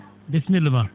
bisimilla ma